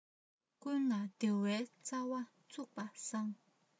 ཀུན ལ བདེ བའི རྩ བ བཙུགས པ བཟང